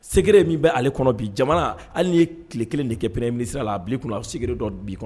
Segere min bɛ ale kɔnɔ bi jamana hali ye tile kelen de kɛ prɛn minisiri la a bi kun a sigin dɔ' kɔnɔ